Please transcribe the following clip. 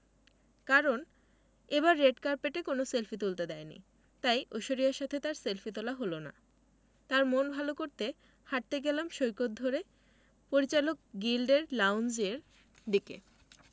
কারণ এবার রেড কার্পেটে কোনো সেলফি তুলতে দেয়নি তাই ঐশ্বরিয়ার সাথে তার সেলফি তোলা হলো না তার মন ভালো করতে হাঁটতে গেলাম সৈকত ধরে পরিচালক গিল্ডের লাউঞ্জের দিকে